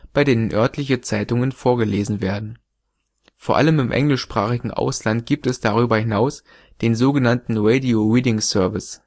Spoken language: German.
bei denen örtliche Zeitungen vorgelesen werden. Vor allem im englischsprachigen Ausland gibt es darüber hinaus den sogenannten Radio Reading Service